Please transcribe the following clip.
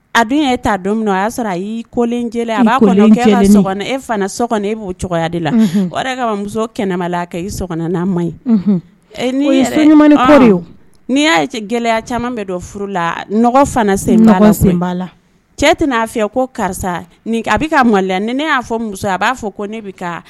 A don' don min o y'a sɔrɔ y'i kolen a b'a e so e b'o de la o ka muso kɛnɛmala i n'a ma n' n'i y'a gɛlɛya caman bɛ don furu la nɔgɔ sen sen la cɛ tɛ n'a fɛ ko karisa a bɛ ka mɔ la ni ne y'a fɔ muso a b'a fɔ ne